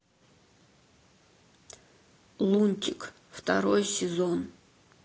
лунтик второй сезон